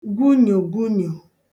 gwunyògwunyò